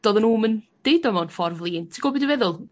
dodden nw'm yn deud o mewn ffordd flin, ti gwbod be' dwi feddwl?